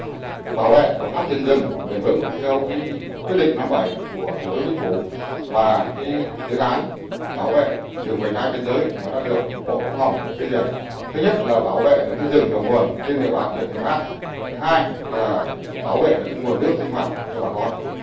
bảo vệ và phát triển rừng bền vững theo nghị quyết định năm bảy của thủ tướng chính phủ và cái dự án bảo vệ rừng vành đai biên giới mà đã được bộ quốc phòng phê duyệt thứ nhất là bảo vệ được rừng đầu nguồn trên địa bàn huyện mường lát hai là bảo vệ nguồn nước sinh hoạt cho bà con